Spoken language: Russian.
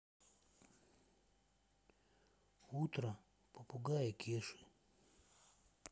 утро попугая кеши